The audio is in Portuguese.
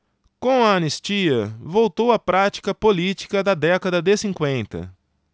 com a anistia voltou a prática política da década de cinquenta